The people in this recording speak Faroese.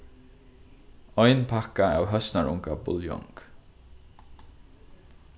ein pakka av høsnarungabuljong